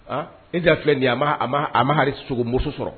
Han e deya filɛ nin ye a ma hali sogomuso sɔrɔ.